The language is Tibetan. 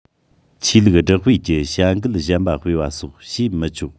ཆོས ལུགས བསྒྲགས སྤེལ གྱི བྱ འགུལ གཞན པ སྤེལ བ སོགས བྱེད མི ཆོག